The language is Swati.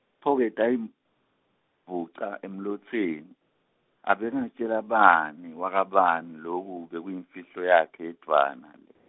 Pho-ke tayimbuca emlotseni, abengatjela bani, wakabani loku bekuyimfihlo yakhe yedvwana le.